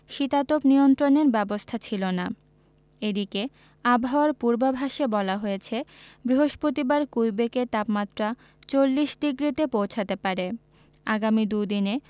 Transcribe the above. শীতাতপ নিয়ন্ত্রণের ব্যবস্থা ছিল না এদিকে আবহাওয়ার পূর্বাভাসে বলা হয়েছে বৃহস্পতিবার কুইবেকে তাপমাত্রা ৪০ ডিগ্রিতে পৌঁছাতে পারে আগামী দু'দিনে